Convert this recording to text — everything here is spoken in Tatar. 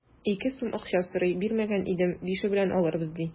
Ике сум акча сорый, бирмәгән идем, бише белән алырбыз, ди.